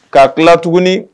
'a tila tuguni